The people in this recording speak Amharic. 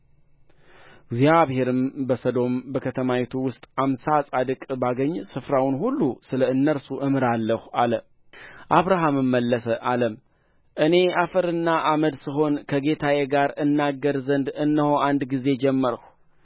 እግዚአብሔርም በሰዶም በከተማይቱ ውስጥ አምሳ ጻድቃን ባገኝ ስፍራውን ሁሉ ስለ እነርሱ እምራለሁ አለ አብርሃምም መለሰ አለም እኔ አፈርና አመድ ስሆን ከጌታዬ ጋር እናገር ዘንድ እነሆ አንድ ጊዜ ጀመርሁ